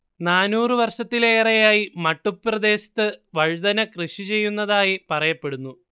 നാനൂറ് വർഷത്തിലേറെയായി മട്ടുപ്രദേശത്ത് വഴുതന കൃഷി ചെയ്യുന്നതായി പറയപ്പെടുന്നു